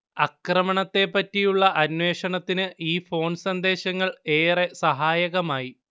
അക്രമണത്തെപ്പറ്റിയുള്ള അന്വേഷണത്തിന് ഈ ഫോൺ സന്ദേശങ്ങൾ ഏറെ സഹായകമായി